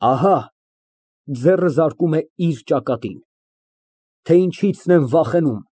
Ահա (Ձեռը զարկում է իր ճակատին) թե ինչից եմ վախենում։